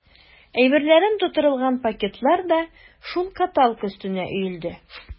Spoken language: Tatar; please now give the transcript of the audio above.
Әйберләрем тутырылган пакетлар да шул каталка өстенә өелде.